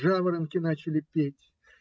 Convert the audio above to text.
Жаворонки начали петь.